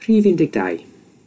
Rhif un deg dau.